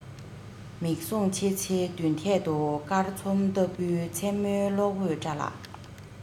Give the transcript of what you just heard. མིག ཟུང ཕྱེ ཚེ མདུན ཐད དུ སྐར ཚོམ ལྟ བུའི མཚན མོའི གློག འོད བཀྲ ལ